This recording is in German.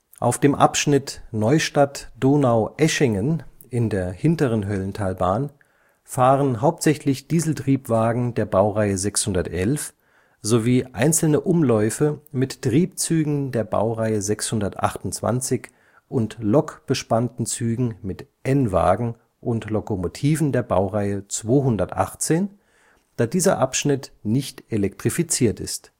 Auf dem Abschnitt Neustadt – Donaueschingen (hintere Höllentalbahn) fahren hauptsächlich Dieseltriebwagen der Baureihe 611 sowie einzelne Umläufe mit Triebzügen der Baureihe 628 und lokbespannten Zügen mit n-Wagen und Lokomotiven der Baureihe 218, da dieser Abschnitt nicht elektrifiziert ist